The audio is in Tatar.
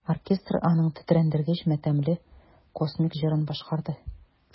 Оркестр аның тетрәндергеч матәмле космик җырын башкарды.